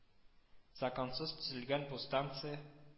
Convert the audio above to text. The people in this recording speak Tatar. Законсыз төзелгән бу станция